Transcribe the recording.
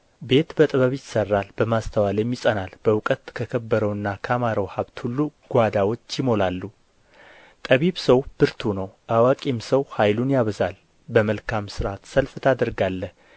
ቤት በጥበብ ይሠራል በማስተዋልም ይጸናል በእውቀት ከከበረውና ካማረው ሀብት ሁሉ ጓዳዎች ይሞላሉ ጠቢብ ሰው ብርቱ ነው አዋቂም ሰው ኃይሉን ያበዛል በመልካም ሥርዓት ሰልፍ ታደርጋለህ